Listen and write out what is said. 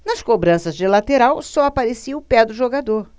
nas cobranças de lateral só aparecia o pé do jogador